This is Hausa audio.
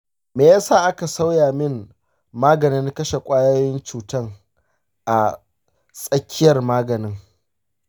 me yasa aka sauya min maganin kashe ƙwayoyin cutan a tsakiyar magani?